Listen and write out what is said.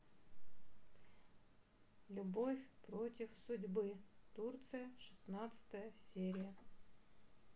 любовь против судьбы турция шестнадцатая серия